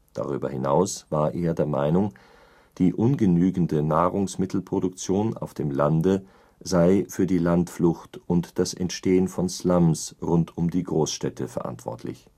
Darüber hinaus war er der Meinung, die ungenügende Nahrungsmittelproduktion auf dem Lande sei für die Landflucht und das Entstehen von Slums rund um die Großstädte verantwortlich